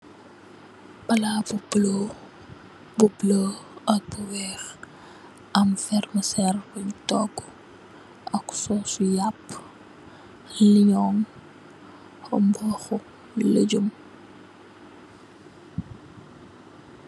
Palat bu bulu bu bulu mu am lu weex am vermesen' bin togo ak sose yapu lenun ak lejom.